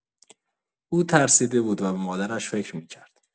او ترسیده بود و به مادرش فکر می‌کرد.